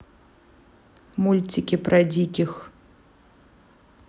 мультики про диких